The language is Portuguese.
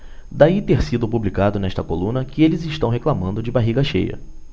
daí ter sido publicado nesta coluna que eles reclamando de barriga cheia